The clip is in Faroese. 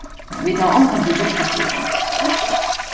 vit hava ongantíð gjørt tað fyrr